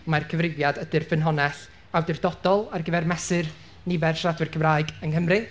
mai'r cyfrifiad ydy'r ffynonell awdurdodol ar gyfer mesur nifer y siaradwyr Cymraeg yng Nghymru,